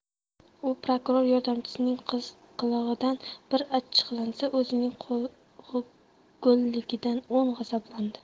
u prokuror yordamchisining qilig'idan bir achchiqlansa o'zining go'lligidan o'n g'azablandi